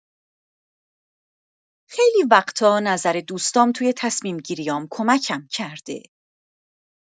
خیلی وقتا نظر دوستام توی تصمیم‌گیری‌هام کمکم کرده.